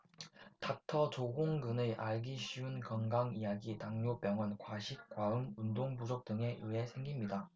닥터 조홍근의 알기 쉬운 건강이야기 당뇨병은 과식 과음 운동부족 등에 의해 생깁니다